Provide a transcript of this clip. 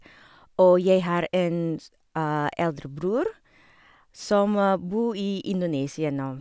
Og jeg har en s eldre bror som bo i Indonesia nå.